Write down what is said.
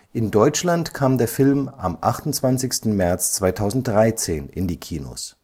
In Deutschland kam der Film am 28. März 2013 in die Kinos